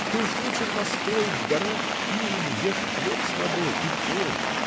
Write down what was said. Ты уж лучше построй в горах хижину, ешь хлеб с водой и пой